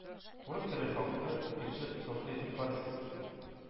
«урыс телле халык»ны икенче сортлы итеп карыйсыз,